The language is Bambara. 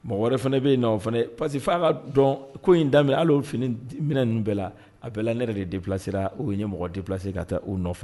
Mɔgɔ wɛrɛ fana ne bɛ yen nɔ fana parce que'a ka dɔn ko in da hali fini minɛn bɛɛ la a bɛ la ne yɛrɛ de bilasira u ye ɲɛ mɔgɔ de bilase ka taa u nɔfɛ